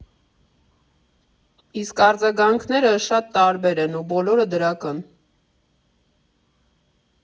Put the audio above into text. Իսկ արձագանքները շատ տարբեր են, ու բոլորը դրական։